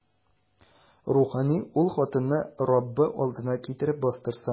Рухани ул хатынны Раббы алдына китереп бастырсын.